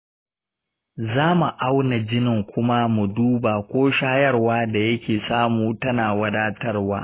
za mu auna jaririn kuma mu duba ko shayarwar da yake samu tana wadatarwa.